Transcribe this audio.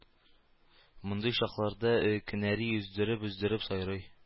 Мондый чакларда кенәри өздереп-өздереп сайрый